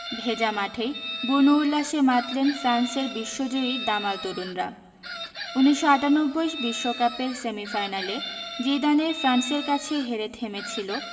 ভেজা মাঠেই বুনো উল্লাসে মাতলেন ফ্রান্সের বিশ্বজয়ী দামাল তরুণরা ১৯৯৮ বিশ্বকাপের সেমিফাইনালে জিদানের ফ্রান্সের কাছে হেরে থেমেছিল